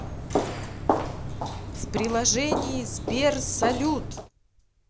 в приложении сбер салют